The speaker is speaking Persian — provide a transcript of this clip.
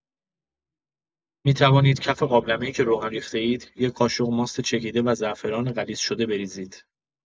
می‌توانید کف قابلمه‌ای که روغن ریخته‌اید، یک قاشق ماست چکیده و زعفران غلیظ شده بریزید.